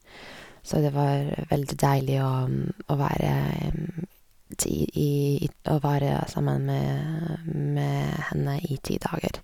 Så det var veldig deilig å å være ti i i å være sammen med med henne i ti dager.